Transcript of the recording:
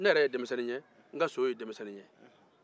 ne yɛrɛ denmisɛnnin ye n ka so ye denmisɛnnin ye